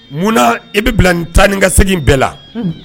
Munna i bɛ bila tan ni ka segingin bɛɛ la